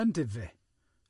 Yndyfe.